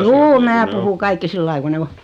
juu minä puhun kaikki sillä lailla kun ne on